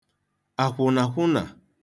àkwụ̀nàkwụnà